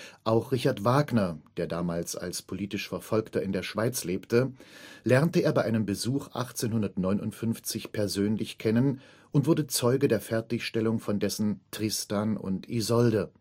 Auch Richard Wagner, der damals als politisch Verfolgter in der Schweiz lebte, lernte er bei einem Besuch 1859 persönlich kennen und wurde Zeuge der Fertigstellung von dessen Tristan und Isolde